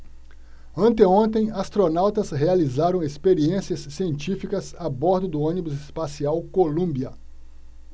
anteontem astronautas realizaram experiências científicas a bordo do ônibus espacial columbia